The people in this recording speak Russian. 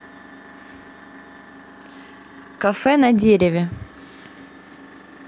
кафе на дереве